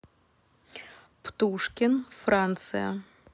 птушкин франция